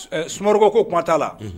Sumaworooro ko ko kuma t'a la